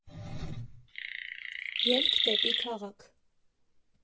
Ելք դեպի քաղաք։